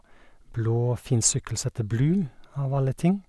Blå, fin sykkel som heter Blue, av alle ting.